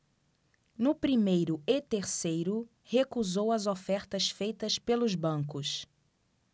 no primeiro e terceiro recusou as ofertas feitas pelos bancos